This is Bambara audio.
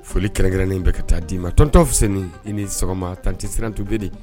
Foli kɛrɛnkɛrɛnnen bɛ ka taa d'i ma tɔntɔn fisa i ni sɔgɔma 1tesirantubi